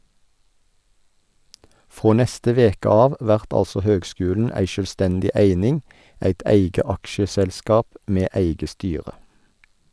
Frå neste veke av vert altså høgskulen ei sjølvstendig eining, eit eige aksjeselskap med eige styre.